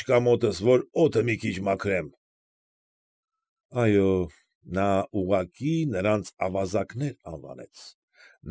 Չկա մոտս, որ օդը մի քիչ մաքրեմ։ Այո, նա ուղղակի նրանց ավազակներ անվանեց։